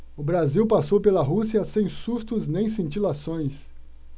o brasil passou pela rússia sem sustos nem cintilações